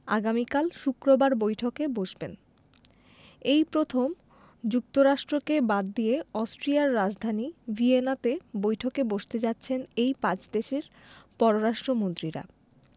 আগামীকাল শুক্রবার বৈঠকে বসবেন এই প্রথম যুক্তরাষ্ট্রকে বাদ দিয়ে অস্ট্রিয়ার রাজধানী ভিয়েনাতে বৈঠকে বসতে যাচ্ছেন এই পাঁচ দেশের পররাষ্ট্রমন্ত্রীরা